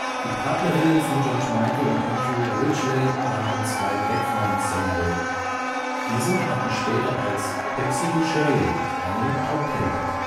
Die Partnerinnen von George Michael und Andrew Ridgeley waren zwei Background-Sängerinnen. Diese hatten später als Pepsi & Shirlie einen Top-Ten-Hit